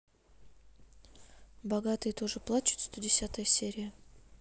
богатые тоже плачут сто десятая серия